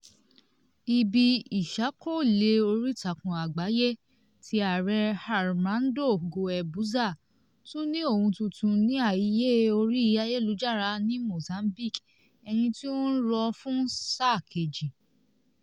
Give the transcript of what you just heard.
Ibi ìṣàkọọ́lẹ̀ oríìtakùn àgbáyé ti Ààrẹ Armando Guebuza tún ni ohun tuntun ní ayé orí ayélujára ní Mozambique, ẹni tí ó ń lọ fún sáà kejì.